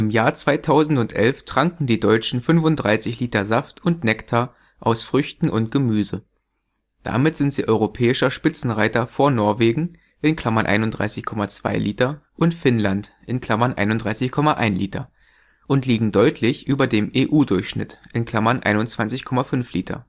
Jahr 2011 tranken die Deutschen 35 Liter Saft und Nektar aus Früchten und Gemüse. Damit sind sie europäischer Spitzenreiter vor Norwegen (31,2 Liter) und Finnland (31,1 Liter) und liegen deutlich über dem EU-Durchschnitt (21,5 Liter